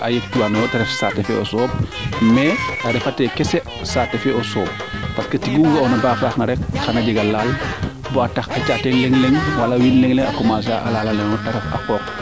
ayektuwaanoyo te ref saate fe o sooɓ mais ref ka te kese saate fe o soɓ parce que tiyu ga'oona rek xana jega laal ba tax caate leŋ leŋ a commencer a lalan te ref a qooq